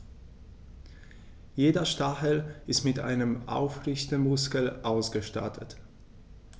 Jeder Stachel ist mit einem Aufrichtemuskel ausgestattet.